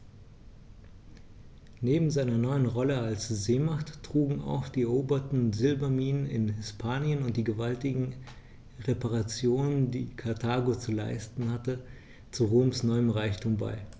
Neben seiner neuen Rolle als Seemacht trugen auch die eroberten Silberminen in Hispanien und die gewaltigen Reparationen, die Karthago zu leisten hatte, zu Roms neuem Reichtum bei.